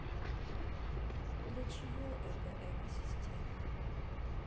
для чего эта экосистема